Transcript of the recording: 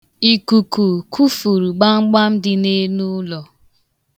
Ikuku kufuru gbamgbam dị n'eluụlọ.